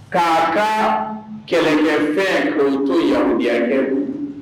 K'a ka kɛlɛkɛfɛn ko to yangɛ bolo